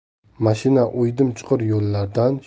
mashina o'ydim chuqur yo'llardan